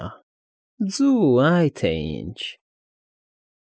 Նա։֊ Ս֊ս֊սու, այ թե ինչ։